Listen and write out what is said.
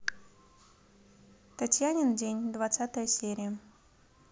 татьянин день двадцатая серия